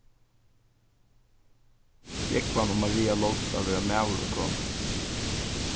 jógvan og maria lótust at vera maður og kona